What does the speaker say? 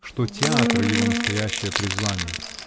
что театр -- его настоящее призвание